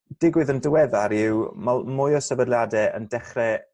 digwydd yn diweddar yw ma' l- mwy o sefydliade yn dechre